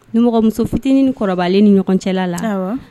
Nimɔgɔmuso fitinin kɔrɔ ni ɲɔgɔn cɛ la